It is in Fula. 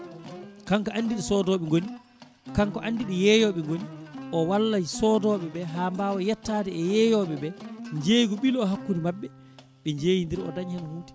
kanko andi ɗo sodoɓe gooni kanko andi ɗo yeeyoɓe gooni o walla sodoɓeɓe ha mbawa yettade e yeeyoɓe ɓe jeygu ɓiilo hakkude mabɓe ɓe jeeyodira o daña hen hunde